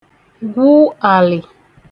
gwu àlị̀